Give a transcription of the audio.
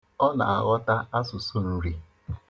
Ọ na-aghọta asusụ Nri.